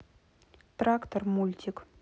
трактор мультик